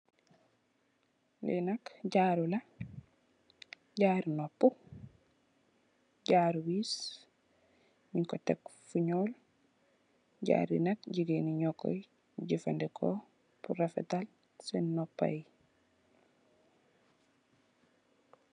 Li nak jaaru la jaaru nopu jaaru wees nyungko tekk fu nyuul jaaru bi nak gigaini nyokoi jefandeko pul rafetal sen nopai.